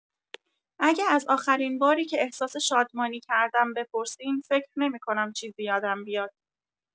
اگه از آخرین باری که احساس شادمانی کردم بپرسین، فکر نمی‌کنم چیزی یادم بیاد.